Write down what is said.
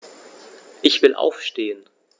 Ich will aufstehen.